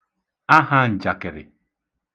ahāǹjakị̀rị̀